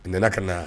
Nana ka na